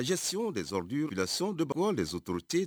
Naa lajɛ sw desɔrɔ duuruur la ssiw donbagaw de storote